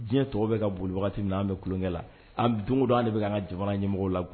Diɲɛ tɔw bɛ ka boli wagati min an bɛ tulonkɛ la, an don o don an de bɛ k'an ka jamana ɲɛmɔgɔw la